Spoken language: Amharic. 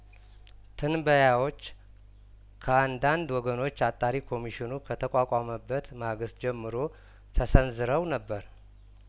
ትንበያዎች ከአንዳንድ ወገኖች አጣሪ ኮሚሽኑ ከተቋቋመበት ማግስት ጀምሮ ተሰንዝረው ነበር